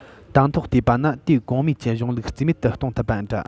དང ཐོག བལྟས པ ན དེས གོང སྨྲས ཀྱི གཞུང ལུགས རྩིས མེད དུ གཏོང ཐུབ པ འདྲ